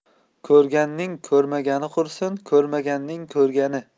ko'rganning ko'rmagani qursin ko'rmaganning ko'rgani